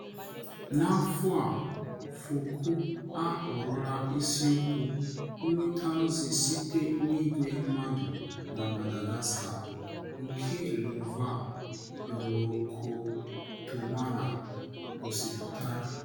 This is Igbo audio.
N'afọ a Foko ahọrọla isiokwu "Nweta Ozi site n'igwe mmadụ na Madagascar" nke Lova Rakotomala gosipụtara.